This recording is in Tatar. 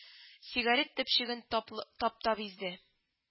Сигарет төпчеген таплы таптап изде